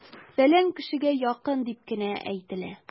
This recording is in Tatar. "фәлән кешегә якын" дип кенә әйтелә!